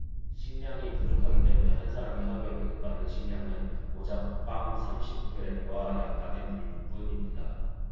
식량이 부족하기 때문에 한 사람이 하루에 배급받는 식량은 고작 빵 삼십 그램과 약간의 물뿐입니다